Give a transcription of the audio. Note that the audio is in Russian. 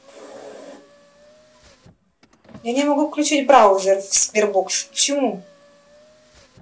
я не могу включить браузер в сбербоксе почему